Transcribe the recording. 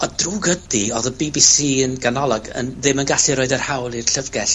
Ond drwg ydi, odd y Bee Bee See yn ganolog yn ddim yn gallu roid yr hawl i'r Llyfgell